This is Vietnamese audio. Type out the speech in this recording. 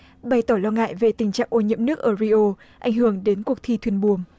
bày tỏ lo ngại về tình trạng ô nhiễm nước ở ri ô ảnh hưởng đến cuộc thi thuyền buồm